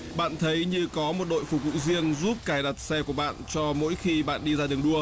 bạn thấy như có một đội phục vụ riêng giúp cài đặt xe của bạn cho mỗi khi bạn đi ra đường đua